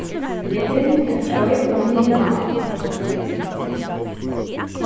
eg bindi eitt reip um miðjuna á tær